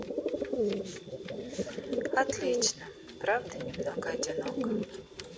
отлично правда немного одиноко